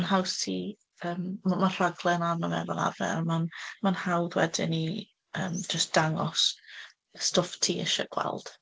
Mae'n haws i, yym, we- mae rhaglen arno fe fel arfer. A mae'n, mae'n hawdd wedyn i, yym, jyst dangos y stwff ti isie gweld.